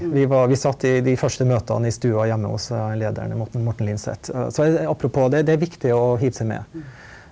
vi var vi satt i de første møtene i stua hjemme hos lederen Morten Morten Linseth så apropos det det er viktig å hive seg med.